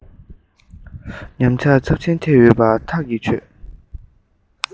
ཉམས ཆག ཚབས ཆེན ཐེབས ཡོད པ ཐག གིས ཆོད